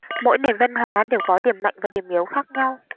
mỗi nền văn hóa đều có điểm mạnh và điểm yếu khác nhau